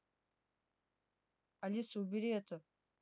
алиса убери эту